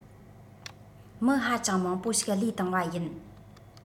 མི ཧ ཅང མང པོ ཞིག བློས བཏང བ ཡིན